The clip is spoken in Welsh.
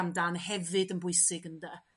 am dan hefyd yn bwysig ynde?